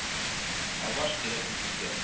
Алмаш кирәк бит безгә